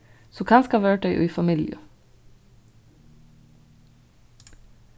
so kanska vóru tey í familju